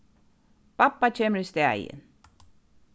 babba kemur í staðin